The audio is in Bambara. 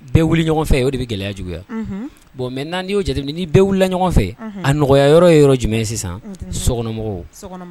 Bɛɛ wuli ɲɔgɔn fɛ o de bɛ gɛlɛya juguya bon mɛ n naanian y oo jate bɛɛ wili ɲɔgɔn fɛ a nɔgɔya yɔrɔ ye yɔrɔ jumɛn sokɔnɔmɔgɔw